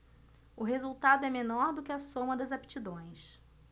o resultado é menor do que a soma das aptidões